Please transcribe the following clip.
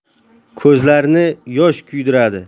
ko'zlarni yosh kuydiradi